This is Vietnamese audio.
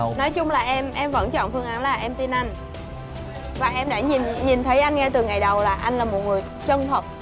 nói chung là em em vẫn chọn phương án là em tin anh và em đã nhìn nhìn thấy anh ngay từ ngày đầu là anh là một người chân thật